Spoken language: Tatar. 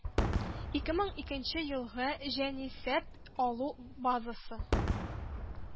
Ике мең икенче елгы җанисәп алу базасы